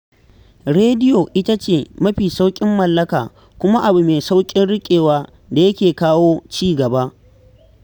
Rediyo ita ce mafi sauƙin mallaka kuma abu mai sauƙin rikewa da yake kawo ci gaba